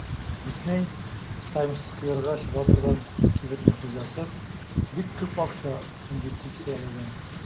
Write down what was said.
Дисней (Таймс-скверга чыга торган кибетнең хуҗасы) бик күп акча инвестицияләгән.